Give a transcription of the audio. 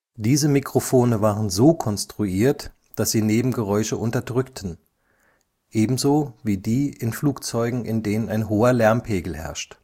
Diese Mikrofone waren so konstruiert, dass sie Nebengeräusche unterdrückten (Antischall, engl. noise-cancelling), ebenso wie die in Flugzeugen (in denen ein hoher Lärmpegel herrscht